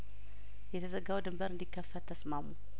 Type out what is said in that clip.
የተዘጋው ድንበር እንዲ ከፈት ተስማሙ